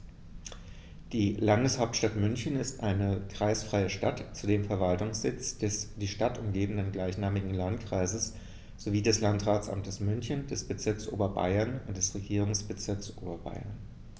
Die Landeshauptstadt München ist eine kreisfreie Stadt, zudem Verwaltungssitz des die Stadt umgebenden gleichnamigen Landkreises sowie des Landratsamtes München, des Bezirks Oberbayern und des Regierungsbezirks Oberbayern.